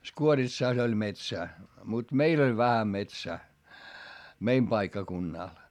Skuoritsassa oli metsää mutta meillä oli vähän metsää meidän paikkakunnalla